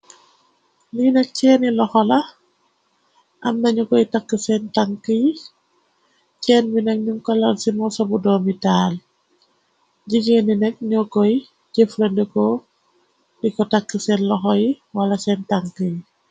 Lii nak cenni loxo la, am na nu koy tàkk Sen tank yi. Cenn bi nak nu ko lal ci morso bu doomi taal. Jigéeni nak ño koy jëflandiko di ko tàkk sen loxo yi wala seen tank yi.